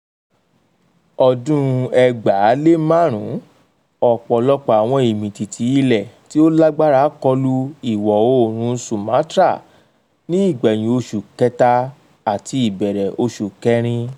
Ọdún 2005: Ọ̀pọ̀lọpọ̀ àwọn Ìmìtìtì ilẹ̀ tí ó lágbára kọlu ìwọ̀-oòrùn Sumatra ní ìgbẹ̀hìn Oṣù Kẹta àti ìbẹ̀rẹ̀ Oṣù Kẹrin.